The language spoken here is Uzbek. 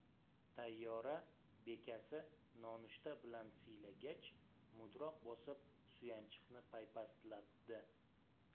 tayyora bekasi nonushta bilan siylagach mudroq bosib suyanchiqni pastlatdi